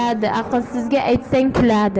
aqlsizga aytsang kuladi